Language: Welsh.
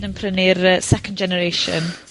...yn prynu'r yy second generation